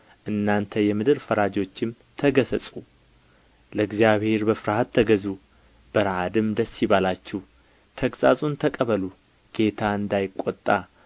እናንት የምድር ፈራጆችም ተገሠጹ ለእግዚአብሔር በፍርሃት ተገዙ በረዓድም ደስ ይበላችሁ ተግሣጹን ተቀበሉ ጌታ እንዳይቈጣ